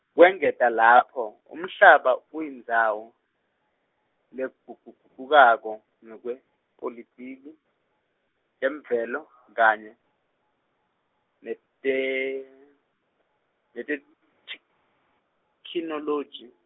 kwengeta lapho umhlaba uyindzawo legucugucukako ngekwepolitiki, temvelo kanye nethe- netethetji- -khinoloji.